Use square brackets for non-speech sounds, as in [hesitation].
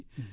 [hesitation] [hesitation]